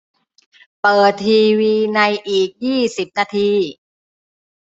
เปิดทีวีในอีกยี่สิบนาที